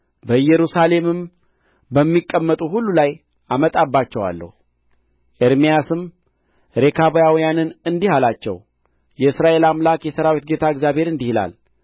በኢየሩሳሌምም በሚቀመጡ ሁሉ ላይ አመጣባቸዋለሁ ኤርምያስም ሬካባውያንን እንዲህ አላቸው የእስራኤል አምላክ የሠራዊት ጌታ እግዚአብሔር እንዲህ ይላል